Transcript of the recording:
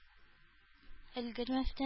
Өлгермәстән